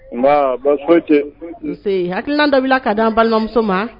Nba ba nse hakili dabila k ka d di an balimamuso ma